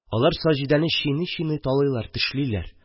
Алар Саҗидәне чиный-чиный талыйлар, тешлиләр.